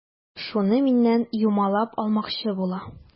Шуны миннән юмалап алмакчы була.